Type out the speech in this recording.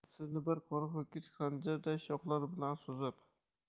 sizni bir qora ho'kiz xanjarday shoxlari bilan suzib